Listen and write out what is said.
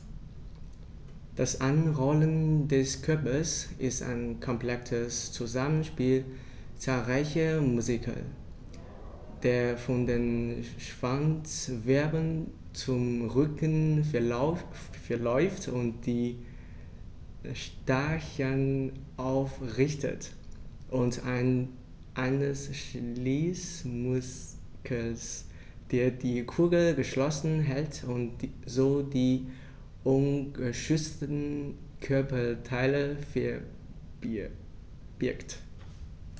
Das Einrollen des Körpers ist ein komplexes Zusammenspiel zahlreicher Muskeln, der von den Schwanzwirbeln zum Rücken verläuft und die Stacheln aufrichtet, und eines Schließmuskels, der die Kugel geschlossen hält und so die ungeschützten Körperteile verbirgt.